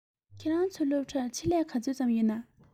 ཁྱོད རང ཚོའི སློབ གྲྭར ཆེད ལས ག ཚོད ཙམ ཡོད ན